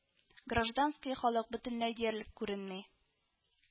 Гражданский халык бөтенләй диярлек күренми